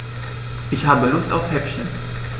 Ich habe Lust auf Häppchen.